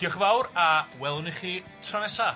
Dioch yn fawr a welwn i chi tro nesa.